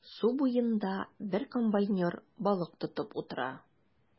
Су буенда бер комбайнер балык тотып утыра.